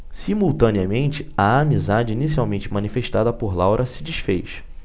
simultaneamente a amizade inicialmente manifestada por laura se disfez